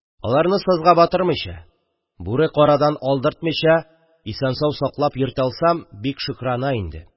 Аларны сазга батырмыйча, бүре-карадан алдыртмыйча исән-сау саклап йөртә алсам, бик шөкрана инде...